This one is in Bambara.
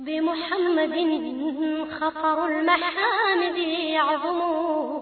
Denmuunɛgɛningɛnin yo